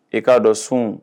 I k'a dɔn sun